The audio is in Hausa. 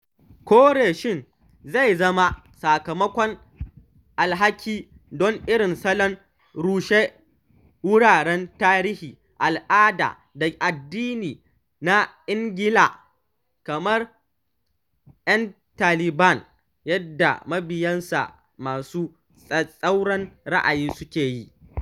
Kore shin zai zama sakamakon alhaki don irin salon rushe wuraren tarihi, al’ada da addini na Ingila kamar na ‘yan Taliban yadda mabiyansa masu tsatstsauran ra’ayi suka yi.